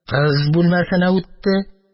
Кыз бүлмәсенә үтте.